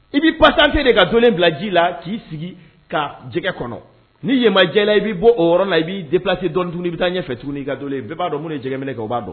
I b'i patienter de ka dɔnlen bila ji la k'i sigi ka jɛgɛ kɔnɔ ni yen ma di ya i la i bɛ b'o yɔrɔ la i b'i déplacer dɔnni, bɛ taa ɲɛfɛ tuguni ni ka dɔnlen bɛɛ b'a dɔn minnu ye jɛgɛminɛ kɛ u b'a dɔn.